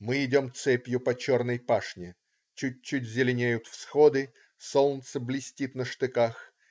Мы идем цепью по черной пашне. Чуть-чуть зеленеют всходы. Солнце блестит на штыках.